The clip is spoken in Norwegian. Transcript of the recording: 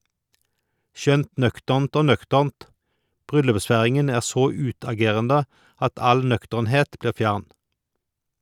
Skjønt nøkternt og nøkternt - bryllupsfeiringen er så utagerende at all nøkternhet blir fjern.